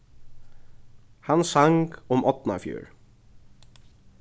hann sang um árnafjørð